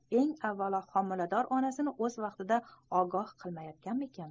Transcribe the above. eng avvalo homilador onasini o'z vaqtida ogoh qilmaganmikin